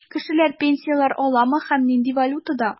Кешеләр пенсияләр аламы һәм нинди валютада?